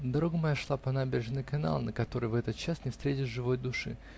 Дорога моя шла по набережной канала, на которой в этот час не встретишь живой души.